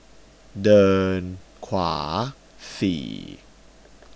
เดินขวาสี่